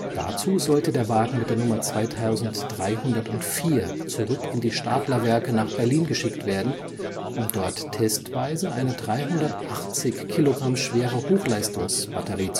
Dazu sollte der Wagen mit der Nummer 2304 zurück in die Stadlerwerke nach Berlin geschickt werden, um dort testweise eine 380 kg schwere Hochleistungsbatterie